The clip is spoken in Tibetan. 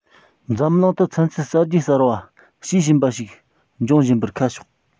འཛམ གླིང དུ ཚན རྩལ གསར བརྗེ གསར པ དཔྱིས ཕྱིན པ ཞིག འབྱུང བཞིན པར ཁ ཕྱོགས